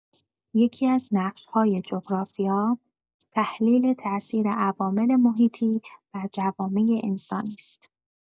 یکی‌از نقش‌های جغرافیا، تحلیل تأثیر عوامل محیطی بر جوامع انسانی است.